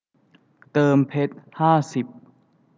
เติมเพชรห้าสิบ